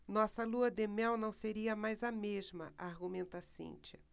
nossa lua-de-mel não seria mais a mesma argumenta cíntia